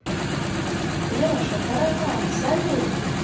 леша караван салют